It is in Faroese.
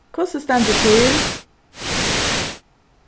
hvussu stendur til